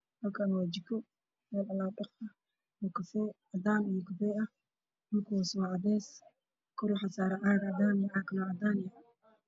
Halkaan waa jiko meel alaabta lugu dhaqdo oo cadaan iyo kafay ah, dhulka hoose waa cadeys, kor waxaa saaran caagag cadaan ah.